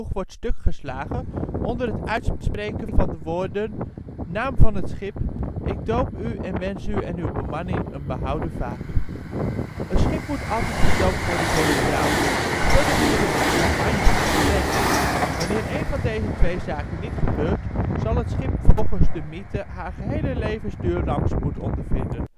wordt stukgeslagen onder het uitspreken van (ongeveer) de woorden: " (naam van het schip), ik doop u en wens u en uw bemanning een behouden vaart ". Een schip moet altijd gedoopt worden door een vrouw. Verder moet de champagnefles breken. Wanneer één van deze twee zaken niet gebeurt zal het schip, volgens de mythe, haar gehele levensduur rampspoed ondervinden